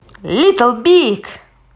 little big